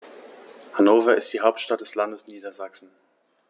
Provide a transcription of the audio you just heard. Hannover ist die Hauptstadt des Landes Niedersachsen.